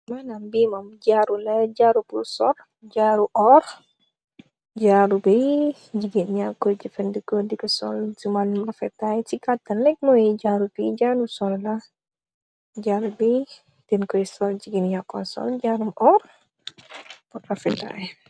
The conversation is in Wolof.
Lii mom jaaru la, jaaru pur sol Jaaru bi, jigéen yaa ko jafëndeko diko sol, si waalum rafetaay. Jaaru bi jigéen yaa kooy sol, si waalu rafetaay.